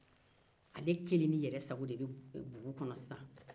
ale ni yɛrɛsago kelen de bɛ bugu kɔnɔ sisan